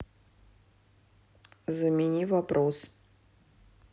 замени вопрос